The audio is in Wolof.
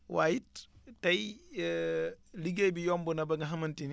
waaye it tey liggéey bi yomb na ba nga xamante ni